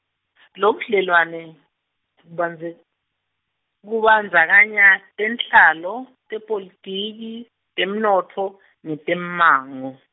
Lobudlelwane, kubandze, kubandzakanya, tenhlalo, tepolitiki, temnotfo, netemmango.